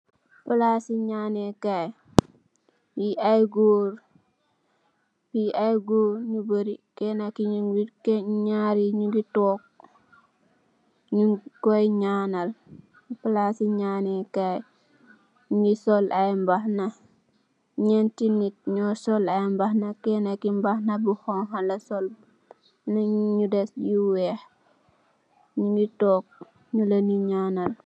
Palaci nyaneh fi ay goor fi ay goor yu bari kena ki mogi naari nyugi tog nyu koi nyanyal palaci nyaneh kai nyugi sol ay mbahana neenti nitt nyu sol ay mbahana kena mbahana bu xonxa la sol nit nyu dess yu weex nyugi toh de len nyanal.